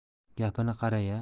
gapini qaraya